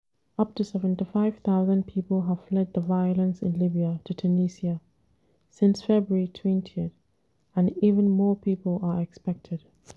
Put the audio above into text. Up to 75,000 people have fled the violence in Libya to Tunisia, since February 20, and even more people are expected.